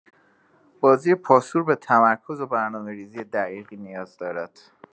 بازی پاسور به تمرکز و برنامه‌ریزی دقیقی نیاز دارد.